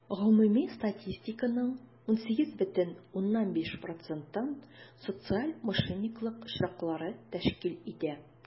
Гомуми статистиканың 18,5 процентын социаль мошенниклык очраклары тәшкил итә.